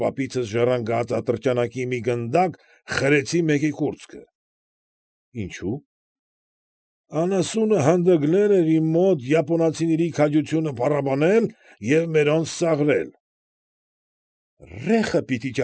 Պապիցս ժառանգած ատրճանակի մի գնդակ խրեցի մեկի կուրծքը։ ֊ Ինչո՞ւ։ ֊ Անասունը հանդգնել էր իմ մոտ յապոնացիների քաջությունը փառաբանել և մերոնց ծաղրել։ ֊ Ռեխը պիտի։